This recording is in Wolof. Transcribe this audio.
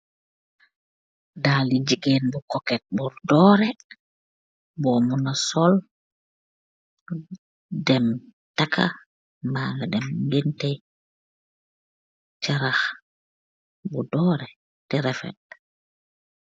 Daali gigain bu cohket bu dooreh, bor munah sol dem taarkah, mba nga dem guenteh, chaarakh bu dooreh teh rafet.